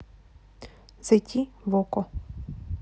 зайти в окко